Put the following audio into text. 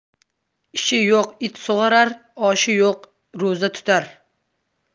ishi yo'q it sug'orar oshi yo'q ro'za tutar